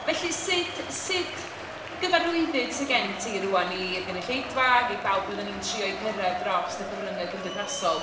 Felly, sut sut gyfarwyddyd sy gen ti rŵan i'r gynulleidfa ac i bawb oedden ni'n trio ei gyrraedd dros y cyfryngau cymdeithasol?